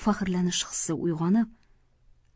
faxrlanish hissi uyg'onib